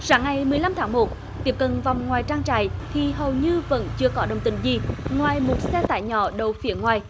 sáng ngày mười lăm tháng một tiếp cận vòng ngoài trang trại thì hầu như vẫn chưa có động tĩnh gì ngoài một xe tải nhỏ đậu phía ngoài